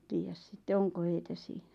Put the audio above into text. tiedä sitten onko heitä siinä